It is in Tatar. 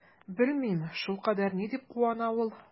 Белмим, шулкадәр ни дип куана ул?